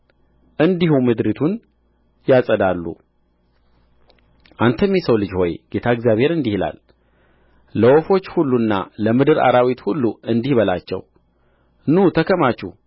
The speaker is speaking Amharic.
እንዲሁ ምድሪቱን ያጸዳሉ አንተም የሰው ልጅ ሆይ ጌታ እግዚአብሔር እንዲህ ይላል ለወፎች ሁሉና ለምድር አራዊት ሁሉ እንዲህ በላቸው ኑ ተከማቹ